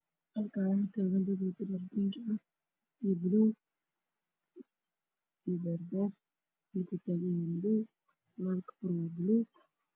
Halkan waxaa taagan dad oo wata dharbinka ah iyo gudeed iyo madow gabdhihii william